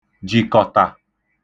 jìkọ̀(tà)